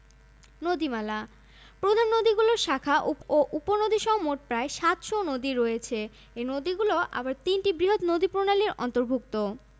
নদীমালাঃ প্রধান নদীগুলোর শাখা ও উপনদীসহ মোট প্রায় ৭০০ নদী রয়েছে এই নদীগুলো আবার তিনটি বৃহৎ নদীপ্রণালীর অন্তর্ভুক্ত